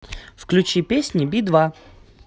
включи песни би два